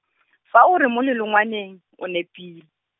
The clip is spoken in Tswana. fa o re mo lolengwaneng, o nepile.